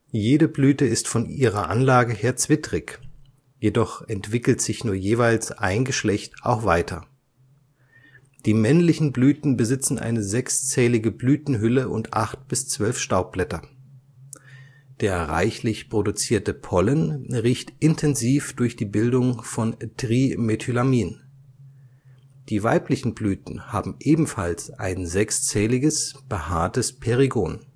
Jede Blüte ist von ihrer Anlage her zwittrig, jedoch entwickelt sich nur jeweils ein Geschlecht auch weiter. Die männlichen Blüten besitzen eine sechszählige Blütenhülle (Perigon) und acht bis zwölf Staubblätter. Der reichlich produzierte Pollen riecht intensiv durch die Bildung von Trimethylamin. Die weiblichen Blüten haben ebenfalls ein sechszähliges, behaartes Perigon